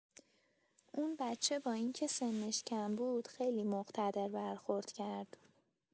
اون بچه با اینکه سنش کم بود، خیلی مقتدر برخورد کرد.